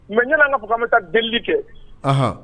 Mɛ ɲ ka bɛ ka delili kɛ